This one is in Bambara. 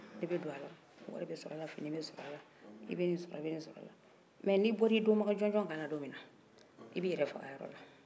i don a la wari bɛ sɔrɔ a la fini bɛ sɔrɔ a la i bɛ ni sɔrɔ i bɛ nin sɔrɔ la mɛ n'i bɔra i dɔnbaga jɔnjɔn kan don min na i b'i yɛrɛ faga a yɔrɔ la